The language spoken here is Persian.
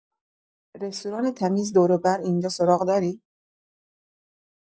رستوران تمیز دور و بر اینجا سراغ داری؟